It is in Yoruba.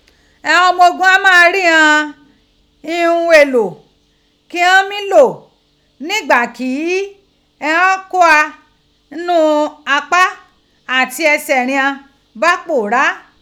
Ighan ọmọ ogun gha maa rí ighan ihun èlò kí ighan mi lò nígbà kí ighan kó ghaà nnú apá àti ẹsẹ̀ righan bá pòórá.